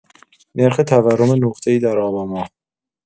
نرخ تورم نقطه‌ای در آبان‌ماه